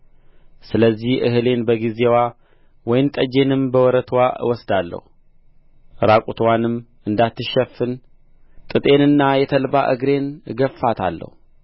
ስለዚህ እህሌን በጊዜዋ ወይን ጠጄንም በወረትዋ እወስዳለሁ ዕራቁትነትዋንም እንዳትሸፍን ጥጤንና የተልባ እግሬን እገፍፋታለሁ